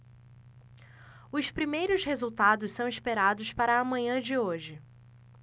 os primeiros resultados são esperados para a manhã de hoje